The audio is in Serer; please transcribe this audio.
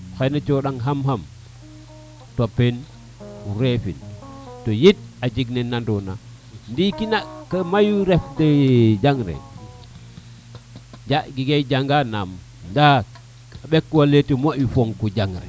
xena coɗaŋ xam xam topeen o refin to yit a jeg ne nanona ndiki nak mayu ref jangre nda jege janga nam nda rikoleke ten moƴu fok cagale